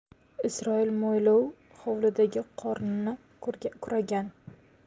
isroil mo'ylov hovlidagi qorni kuragan